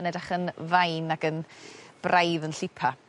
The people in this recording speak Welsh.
yn edrych yn fain ag yn braidd yn llipa